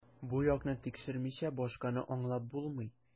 Бу якны тикшермичә, башканы аңлап булмый.